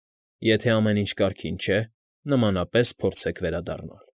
Եթե ամեն ինչ կարգին չէ, նմանապես փորձեք վերադառնալ։